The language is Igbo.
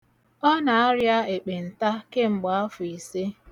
Ọ na-arịa ekpenta kemgbe afọ ise.